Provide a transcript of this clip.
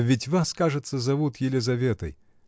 -- Ведь вас, кажется, зовут Елизаветой?